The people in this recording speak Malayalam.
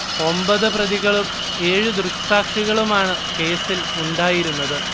ഒമ്പത് പ്രതികളും ഏഴ് ദൃക്സാക്ഷികളുമാണ് കേസിൽ ഉണ്ടായിരുന്നത്